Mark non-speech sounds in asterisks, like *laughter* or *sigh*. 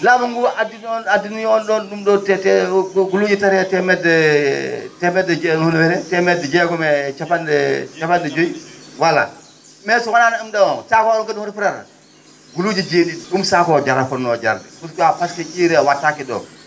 laamu ngu addi ?on addi on ?on ?um ?o te guluje tati e temedde *hesitation* jeegom e capan?e jooyi voilà mais so wonaano ?um ?o o sac o hono fotata guluuje jee?i?i ?um sac o jarata fotnoo jarde pusqua pasque UREE wa?ataake ?o